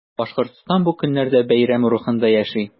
Башкортстан бу көннәрдә бәйрәм рухында яши.